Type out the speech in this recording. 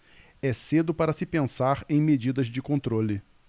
é cedo para se pensar em medidas de controle